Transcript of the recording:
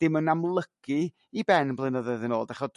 dim yn amlygu 'i ben blynyddoedd yn ol d'ch'od